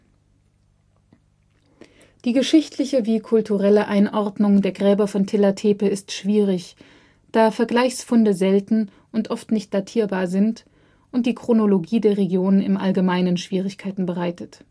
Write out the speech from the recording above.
Die geschichtliche wie kulturelle Einordnung der Gräber von Tilla Tepe ist schwierig, da Vergleichsfunde selten und oft nicht datierbar sind und die Chronologie der Region im allgemeinen Schwierigkeiten bereitet